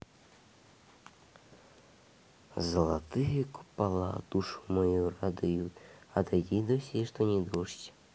золотые купола душу мою радуют отойди досье что не дождь